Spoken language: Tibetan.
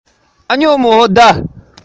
འཁོར བའི ཟང ཟིང གིས ཡིད དབང